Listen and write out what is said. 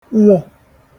nwò